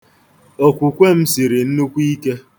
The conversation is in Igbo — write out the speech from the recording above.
Okwukwe m siri nnukwu ike.